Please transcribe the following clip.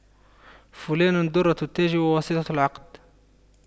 فلان دُرَّةُ التاج وواسطة العقد